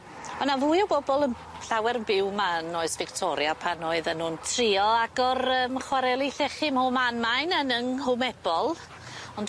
Ma' 'na fwy o bobol yn llawer yn byw ma' yn oes Victoria pan oedden nw'n trio agor yym chwareli llechu 'mho' man mae 'ny yng Nghwmebol ond